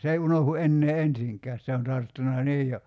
se ei unohdu enää ensinkään se on tarttunut niin jo